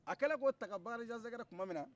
a kɛlen k'o ta ka bakarijan sɛgɛrɛ tumaninna